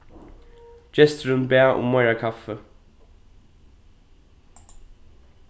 gesturin bað um meira kaffi